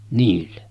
niille